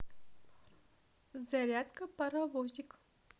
зарядка паровозик